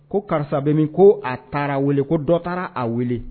Ko karisabe min ko a taara wele ko dɔ taara a wele